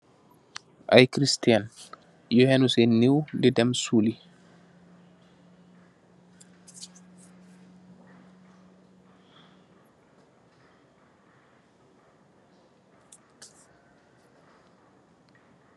Ay Kristian yu éu séén niiw di dem suli.